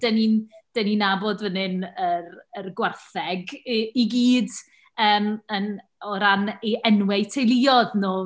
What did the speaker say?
Dan ni'n dan ni'n nabod fan hyn yr yr gwartheg yy i gyd yym yn o ran eu enwau teuluoedd nhw.